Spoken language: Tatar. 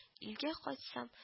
Илгә кайтсам